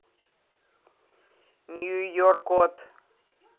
нью йорк от